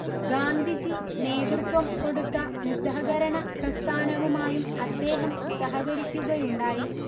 ഗാന്ധിജി നേതൃത്വം കൊടുത്ത നിസ്സഹകരണ പ്രസ്ഥാനവുമായും അദ്ദേഹം സഹകരിയ്ക്കുകയുണ്ടായി